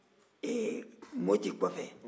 ee mɔti kɔfɛ